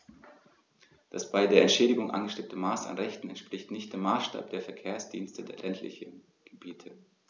Das bei der Entschädigung angestrebte Maß an Rechten entspricht nicht dem Maßstab der Verkehrsdienste der ländlichen Gebiete.